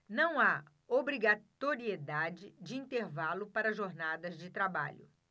não há obrigatoriedade de intervalo para jornadas de trabalho